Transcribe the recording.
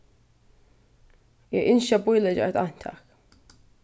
eg ynski at bíleggja eitt eintak